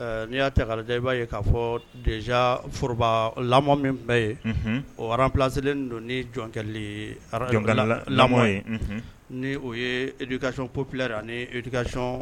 Ɛɛ n'i y'a ta ka lajɛ i b'a ye k'a fɔ déjà foroba lamɔn min tun bɛ yen. Unhun! O remplacer len ni don ni jɔnkɛli. Jɔnkala lamɔn ye. Unhun! Ni o ye éducation populaire ani éducation